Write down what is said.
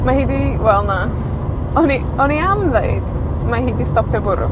Mae hi 'di... Wel, na. O'n i, o'n i am ddeud mae hi 'di stopio bwrw.